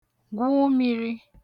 gwù mīrī